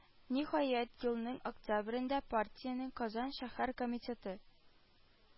Ниһаять, елның октябрендә партиянең Казан шәһәр комитеты